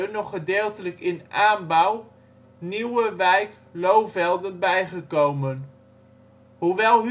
nog gedeeltelijke in aanbouw) nieuwe wijk Loovelden bijgekomen. Hoewel